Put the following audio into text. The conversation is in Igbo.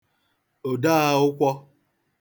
òdeāụ̄kwō